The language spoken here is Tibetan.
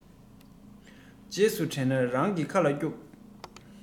རྗེས སུ དྲན ན རང གི ཁ ལ རྒྱོབ